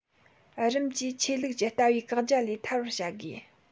རིམ གྱིས ཆོས ལུགས ཀྱི ལྟ བའི བཀག རྒྱ ལས ཐར བར བྱ དགོས